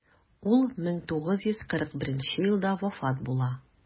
Ул 1941 елда вафат була.